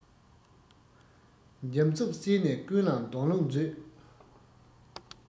འཇམ རྩུབ བསྲེས ནས ཀུན ལ འདོང ལུགས མཛོད